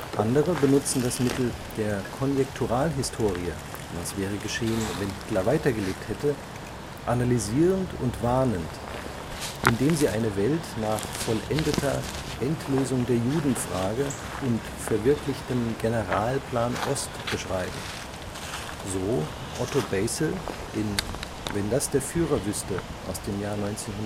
Andere benutzen das Mittel der Konjekturalhistorie (was wäre geschehen, wenn Hitler weitergelebt hätte) analysierend und warnend, indem sie eine Welt nach vollendeter „ Endlösung der Judenfrage “und verwirklichtem Generalplan Ost beschreiben: so Otto Basil, Wenn das der Führer wüßte (1966